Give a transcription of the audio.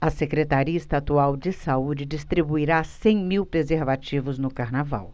a secretaria estadual de saúde distribuirá cem mil preservativos no carnaval